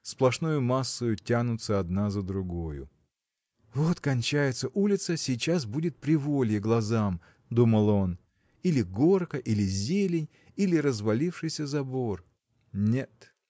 сплошною массою тянутся одна за другою. Вот кончается улица сейчас будет приволье глазам – думал он – или горка или зелень или развалившийся забор – нет